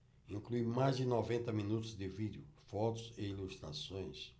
inclui mais de noventa minutos de vídeo fotos e ilustrações